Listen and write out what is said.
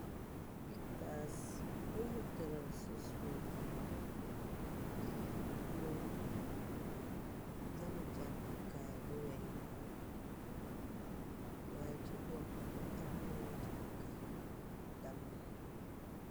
Pickas ruñu tëral ci suuf më ngi am jàppkaay bu weñ. Waaye ci bopp bi am na lu ci buka dammu.